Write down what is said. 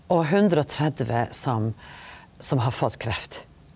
og 130 som som har fått kreft.